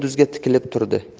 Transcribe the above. yulduzga tikilib turdi